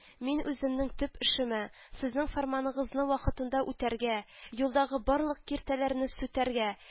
Мин үземнең төп эшемә, сезнең фәрманыгызны вакытында үтәргә, юлдагы барлык киртәләрне сүтәргә